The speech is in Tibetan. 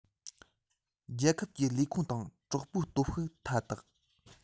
རྒྱལ ཁབ ཀྱི ལས ཁུངས དང དྲག པོའི སྟོབས ཤུགས མཐའ དག